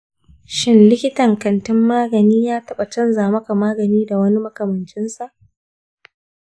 shin likitan kantin magani ya taɓa canza maka magani da wani makamancinsa?